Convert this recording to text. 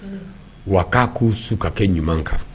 Wa k uu su ka kɛ ɲuman kan